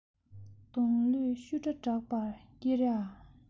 སྡོང ལོས ཤུ སྒྲ བསྒྲགས པར སྐྱི རེ གཡའ